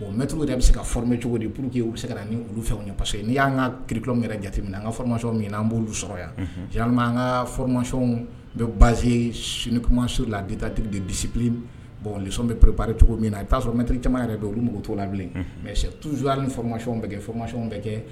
Mɛt de bɛ se ka foromɛ cogo de pur quee u bɛ se ka ni olu fɛw yesɔ ye nii y'an ka kirilo yɛrɛ jate min an ka fmasi min' an b'olu sɔrɔ yanlima an ka fɔmay n bɛ bazse sinikuma su latatibi bisimila bɔnsɔnon bɛ perep cogo min na a t'a sɔrɔ mɛtɛri camanma yɛrɛ don olu mɔgɔ' la bilen mɛ tuzu ni fmasiw bɛ kɛmaw bɛ kɛ